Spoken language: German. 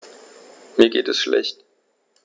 Mir geht es schlecht.